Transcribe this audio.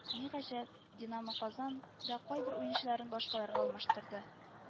Ни гаҗәп, Динамо-Казан да кайбер уенчыларын башкаларга алмаштырды